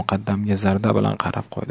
muqaddamga zarda bilan qarab qo'ydi